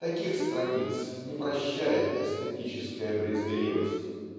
Таких страниц не прощает эстетическая брезгливость.